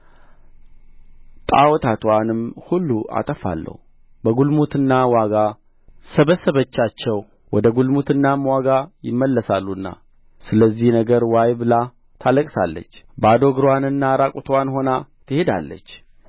ጣዖታትዋንም ሁሉ አጠፋለሁ በግልሙትና ዋጋ ሰበሰበቻቸው ወደ ግልሙትናም ዋጋ ይመለሳሉና ስለዚህ ነገር ዋይ ብላ ታለቅሳለች ባዶ እግርዋንና ዕራቁትዋን ሆና ትሄዳለች